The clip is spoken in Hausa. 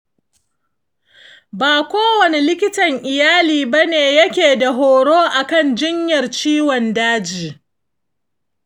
ba kowani likitan iyali bane ya keda horo akan jinyar ciwon daji.